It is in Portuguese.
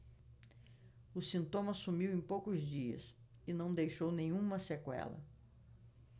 o sintoma sumiu em poucos dias e não deixou nenhuma sequela